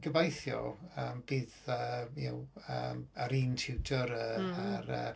Gobeithio yym bydd yy y'know yym yr un tiwtor yy a'r yy...